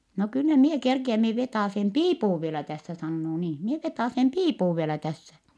no kyllä minä kerkiän minä vetäisen piipun vielä tässä sanoo niin minä vetäisen piipun vielä tässä